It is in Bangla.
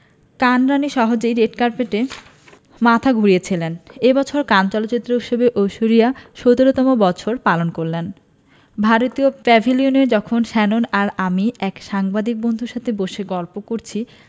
কান রাণী সহজেই রেড কার্পেটে মাথা ঘুরিয়েছিলেন এ বছর কান চলচ্চিত্র উৎসবে ঐশ্বরিয়া ১৭তম বছর পালন করলেন ভারতীয় প্যাভিলিয়নে যখন শ্যানন আর আমি এক সাংবাদিক বন্ধুর সাথে বসে গল্প করছি